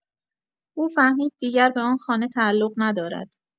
او فهمید دیگر به آن خانه تعلق ندارد.